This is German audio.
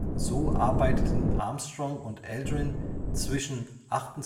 So arbeiteten Armstrong und Aldrin zwischen 28:33